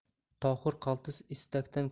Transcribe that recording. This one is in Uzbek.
tohir qaltis istakdan